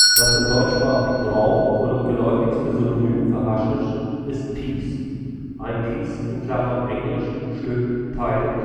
Das im deutschsprachigen Raum wohl geläufigste Synonym für Haschisch ist Piece. Ein Piece [pi:s] (englisch Stück, Teil